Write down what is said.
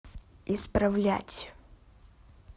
исправлять